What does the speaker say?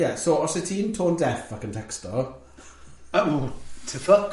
Ie, so os wyt ti'n tone-deaf ac yn tecsto, oh, ti'n fucked!